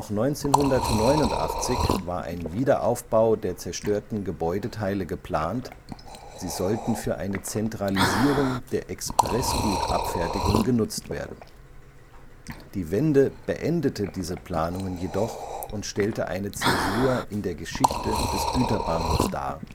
1989 war ein Wiederaufbau der zerstörten Gebäudeteile geplant, sie sollten für eine Zentralisierung der Expressgutabfertigung genutzt werden. Die Wende beendete diese Planungen jedoch und stellte eine Zäsur in der Geschichte des Güterbahnhofs dar